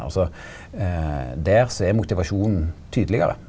altså der så er motivasjonen tydelegare.